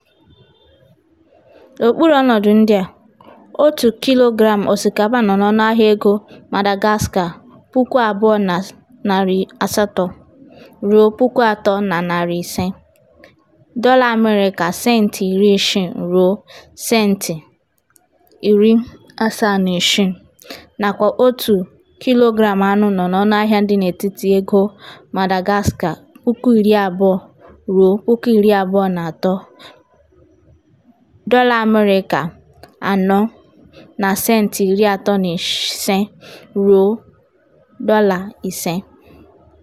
N'okpuru ọnọdụ ndị a, 1 kg osikapa nọ n'ọnụahịa MGA 2,800 ruo 3,500 (USD 0.60 ruo 0.76) nakwa 1kg anụ nọ n'ọnụahịa dị n'etiti MGA 20,000 ruo 23,000 (USD 4.35 ruo 5).